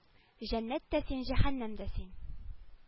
Җәннәт тә син җәһәннәм дә син